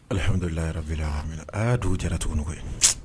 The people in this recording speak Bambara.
Alihamdulilabi a y'a dugu jɛra tugun koyi